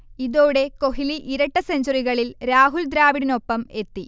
ഇതോടെ കൊഹ്ലി ഇരട്ട സെഞ്ചുറികളിൽ രാഹുൽ ദ്രാവിഡിനൊപ്പം എത്തി